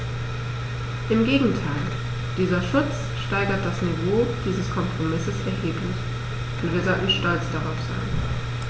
Im Gegenteil: Dieser Schutz steigert das Niveau dieses Kompromisses erheblich, und wir sollten stolz darauf sein.